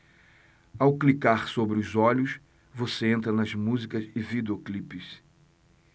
ao clicar sobre os olhos você entra nas músicas e videoclipes